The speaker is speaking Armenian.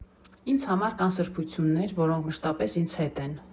֊ Ինձ համար կան սրբություններ, որոնք մշտապես ինձ հետ են։